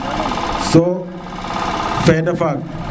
so fede faak